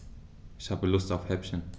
Ich habe Lust auf Häppchen.